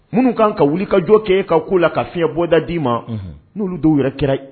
Minnu kan ka wuli ka jɔ kɛ e ka ko la ka fiɲɛ bɔ da d'i ma, unhun, n'olu dɔw u yɛrɛ kɛra ye